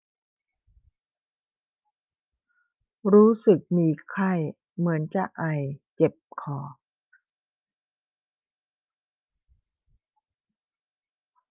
รู้สึกมีไข้เหมือนจะไอเจ็บคอ